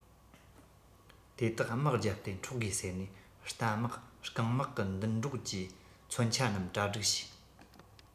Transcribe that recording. དེ དག དམག བརྒྱབ སྟེ འཕྲོག དགོས ཟེར ནས རྟ དམག རྐང དམག གྱི མདུན སྒྱོགས ཀྱི མཚོན ཆ རྣམས གྲ སྒྲིག བྱས